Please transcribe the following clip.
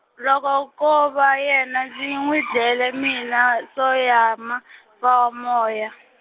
loko ko va yena ndzi n'wi dlele mina Soyama-, wa moya.